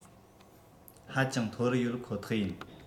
ཧ ཅང མཐོ རུ ཡོད ཁོ ཐག ཡིན